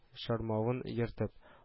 Чармавын ертып